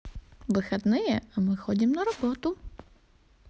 выходные а мы ходим на работу